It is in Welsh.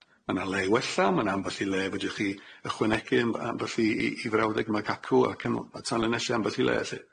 Ma' 'na le i wella, ma' 'na ambell i le fedrwch chi ychwanegu amb- ambell i i i frawddeg yma ac acw, ac m- a tanlinellu ambell i le elly.